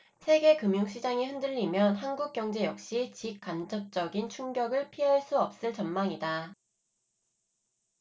세계 금융시장이 흔들리면 한국 경제 역시 직간접적인 충격을 피할 수 없을 전망이다